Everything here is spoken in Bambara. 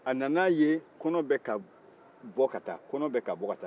a nan'a ye kɔnɔ bɛ ka bɔ ka taa kɔnɔ bɛ ka bɔ ka taa